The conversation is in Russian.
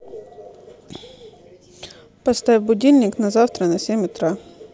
поставь будильник на завтра семь утра